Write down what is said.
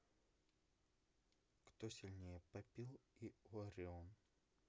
кто сильнее папил и orion